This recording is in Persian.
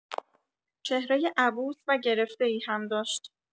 چهرۀ عبوس و گرفته‌ای هم داشت.